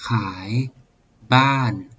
ขายบ้าน